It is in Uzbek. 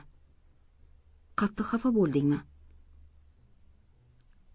qattiq xafa bo'ldingmi